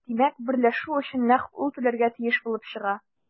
Димәк, берләшү өчен нәкъ ул түләргә тиеш булып чыга.